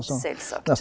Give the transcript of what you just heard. selvsagt.